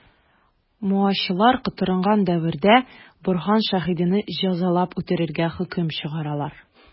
Маочылар котырынган дәвердә Борһан Шәһидине җәзалап үтерергә хөкем чыгаралар.